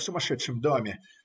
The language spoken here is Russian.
Я в сумасшедшем доме.